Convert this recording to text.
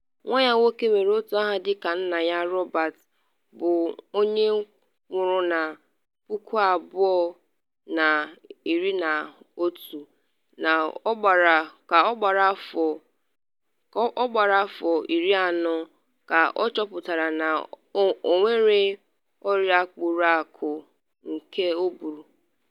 Nwa ya nwoke nwere otu aha dị ka nna ya Robert, bụ onye nwụrụ na 2011 ka ọgbara afọ 40, ka achọpụtara na ọ nwere ọrịa mkpụrụ akụ nke ụbụrụ.